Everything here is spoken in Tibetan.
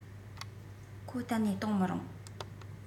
ཁོ གཏན ནས གཏོང མི རུང